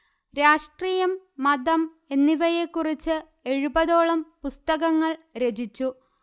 രാഷ്ട്രീയം മതം എന്നിവയെക്കുറിച്ച് എഴുപതോളം പുസ്തകങ്ങൾ രചിച്ചു